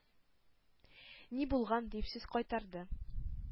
-ни булган?-дип сүз кайтарды.